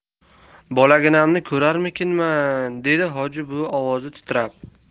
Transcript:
bolaginamni ko'rarmikinman dedi hoji buvi ovozi titrab